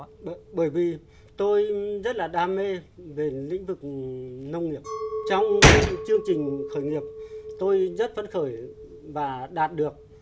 bởi vì tôi rất là đam mê về lĩnh vực nông nghiệp trong những chương trình khởi nghiệp tôi rất phấn khởi và đạt được